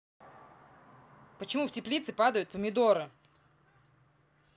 почему в теплице падают помидоры